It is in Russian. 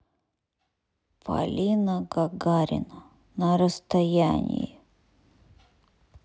полина гагарина на расстоянии